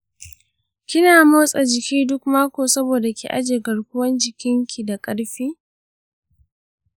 kina motsa jiki duk mako saboda ki ajiye garkuwan jikin ki da ƙarfi?